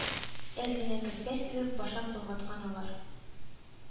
Әз генә көрпә сибеп башак болгаткан алар